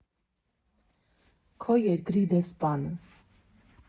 Քո երկրի դեսպանը։